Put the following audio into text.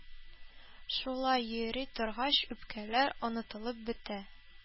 Шулай йөри торгач үпкәләр онытылып бетә.